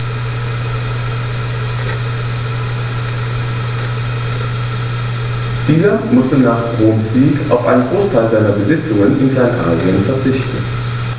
Dieser musste nach Roms Sieg auf einen Großteil seiner Besitzungen in Kleinasien verzichten.